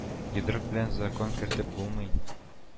Йодрык белән закон кертеп булмый